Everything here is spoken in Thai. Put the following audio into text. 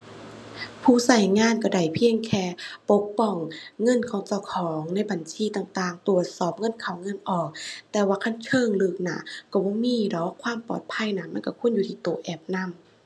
ผู้ใช้งานก็ได้เพียงแค่ปกป้องเงินของเจ้าของในบัญชีต่างต่าง ตรวจสอบเงินเข้าเงินออก แต่ว่าคันเชิงลึกน่ะ ใช้บ่มีดอกความปลอดภัยน่ะ มันใช้ควรอยู่ที่ใช้แอปนำ